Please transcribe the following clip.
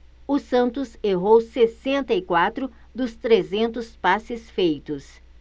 o santos errou sessenta e quatro dos trezentos passes feitos